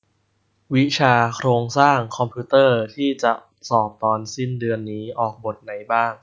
วิชาโครงสร้างคอมพิวเตอร์ที่จะสอบตอนสิ้นเดือนนี้ออกบทไหนบ้าง